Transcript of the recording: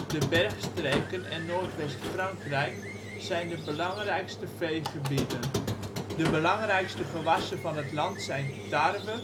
De berggebieden en Noordwest-Frankrijk zijn de veegebieden. De belangrijke gewassen van het land zijn tarwe